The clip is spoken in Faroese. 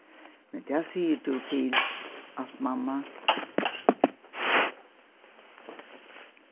men tað sigur tú til alt mamma